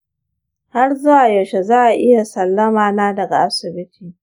har zuwa yaushe za'a iya sallama na daga asibiti ?